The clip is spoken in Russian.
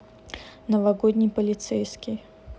новогодний полицейский